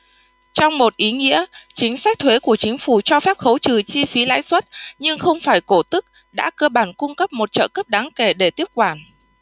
trong một ý nghĩa chính sách thuế của chính phủ cho phép khấu trừ chi phí lãi suất nhưng không phải cổ tức đã cơ bản cung cấp một trợ cấp đáng kể để tiếp quản